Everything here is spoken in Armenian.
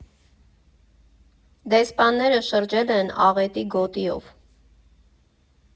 Դեսպանները շրջել են աղետի գոտիով։